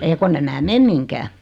ei kun en minä mene mihinkään